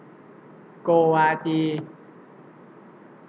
โกวาจี